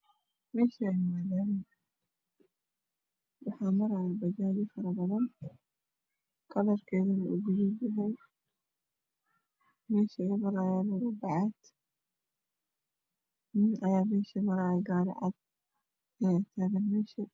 Meeshaan waa laami waxaa maraayo bajaajyo faro badan kalarkeeduna uu gaduud yahay meesha ay marahayaana waa bacaad nin ayaa maraayo, gaari cad ayaa taagan meesha.